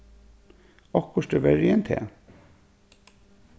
okkurt er verri enn tað s